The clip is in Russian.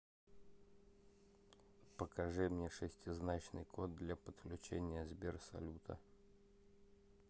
покажи мне шестизначный код для подключения сбер салюта